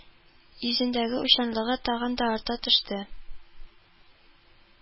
Йөзендәге уйчанлыгы тагын да арта төште